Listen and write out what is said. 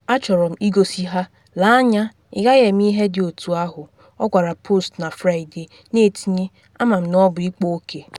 “Achọrọ m igosi ha, lee anya, ị gaghị eme ihe dị otu ahụ,” ọ gwara Post na Fraịde, na etinye “Ama m na ọ bụ ịkpa oke.”